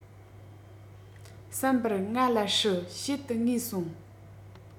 བསམ པར ང ལ སྲིད ཕྱེད དུ ངུས སོང